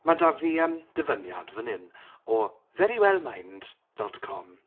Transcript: Ma' 'da fi yym dyfyniad fan hyn o verywellmind.com.